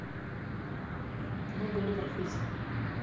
мы были в архызе